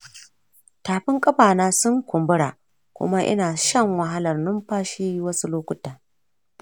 tafin ƙafa na sun kunbura kuma ina shan wahalan numfashi wasu lokuta.